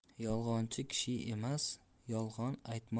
yolg'onchi kishi emas yolg'on